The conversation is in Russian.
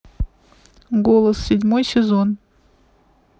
голос седьмой сезон